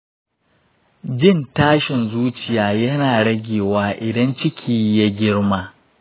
jin tashin zuciya yana rage wa idan ciki ya girma